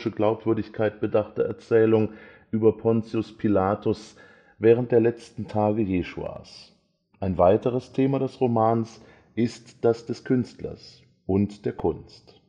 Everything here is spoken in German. Glaubwürdigkeit bedachte Erzählung über Pontius Pilatus während der letzten Tage „ Jeschuas “. Ein weiteres Thema des Romans ist das des Künstlers und der Kunst